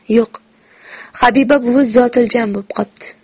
yo'q habiba buvi zotiljam bo'p qopti